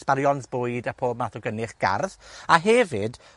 Sbarions bwyd a pob math o gynny'ch gardd, a hefyd